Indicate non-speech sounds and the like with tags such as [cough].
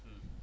[hesitation] [hesitation]